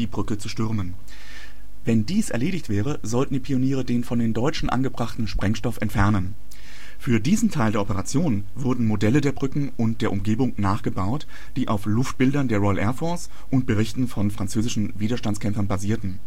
Brücke zu stürmen. Wenn dies erledigt wäre, sollten die Pioniere den von den Deutschen angebrachten Sprengstoff entfernen. Für diesen Teil der Operation wurden Modelle der Brücken und der Umgebung nachgebaut, die auf Luftbildern der Royal Air Force und Berichten von französischen Widerstandskämpfern basierten